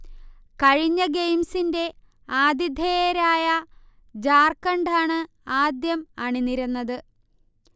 കഴിഞ്ഞ ഗെയിംസിന്റെ ആതിഥേയരായ ജാർഖണ്ഡാണ് ആദ്യം അണിനിരന്നത്